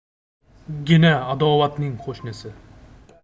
gina adovatning qo'shnisi